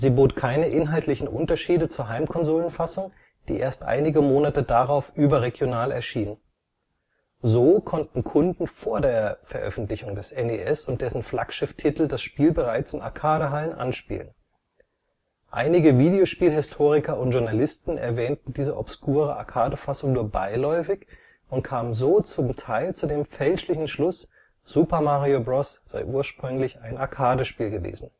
bot keine inhaltlichen Unterschiede zur Heimkonsolen-Fassung, die erst einige Monate darauf überregional erschien. So konnten Kunden vor der Veröffentlichung des NES und dessen Flaggschiff-Titel das Spiel bereits in Arcade-Hallen anspielen. Einige Videospielhistoriker und - Journalisten erwähnten diese obskure Arcade-Fassung nur beiläufig und kamen so zum Teil zu dem fälschlichen Schluss, Super Mario Bros. sei ursprünglich ein Arcade-Spiel gewesen